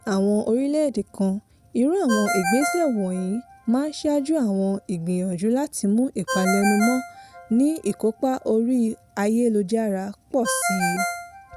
Ní àwọn orílẹ̀-èdè kan, irú àwọn ìgbésẹ̀ wọ̀nyìí máa ṣáájú àwọn ìgbìyànjú láti mú ìpalẹ́numọ́ ní ìkópa orí ayélujára pọ̀ síi .